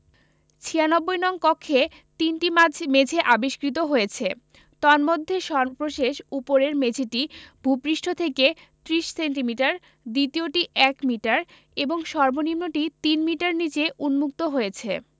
৯৬ নং কক্ষে তিনটি মাঝ মেঝে আবিষ্কৃত হয়েছে তন্মধ্যে সর্বশেষ উপরের মেঝেটি ভূপৃষ্ঠ থেকে ৩০ সেন্টিমিটার দ্বিতীয়টি ১মিটার এবং সর্বনিম্নটি ৩মিটার নিচে উন্মুক্ত হয়েছে